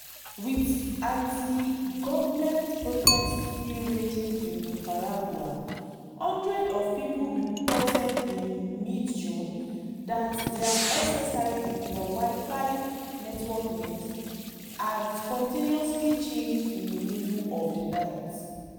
With anti-government protests still raging in Nicaragua, hundreds of people reported in mid-June that their SSID (their Wi-Fi network names) had spontaneously changed in the middle of the night.